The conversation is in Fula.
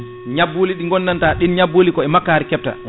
ñabbuli ɗi gondanta ɗin ñabbuli koye e makkarin kebta